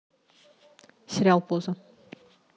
сериал поза